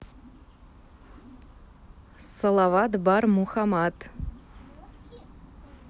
салават бар мухаммад